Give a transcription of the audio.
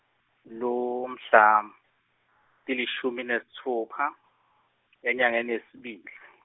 lu- mhla tilishumi nesitfupha, enyangeni yesibili.